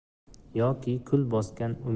yoki kul bosgan